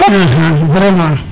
axa vraiment